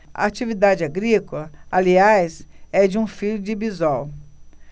a atividade agrícola aliás é de um filho de bisol